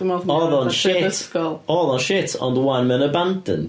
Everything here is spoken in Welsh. Oedd o'n shit oedd o'n shit ond 'wan mae o'n abandoned.